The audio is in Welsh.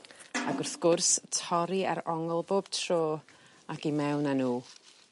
Ag wrth gwrs torri ar ongl bob tro ac i mewn â n'w.